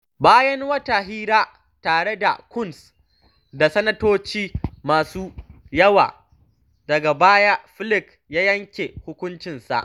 Bayan wata hira tare da Coons da sanatoci masu yawa daga baya, Flake ya yanke hukuncinsa.